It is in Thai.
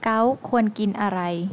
เก๊าท์ควรกินอะไร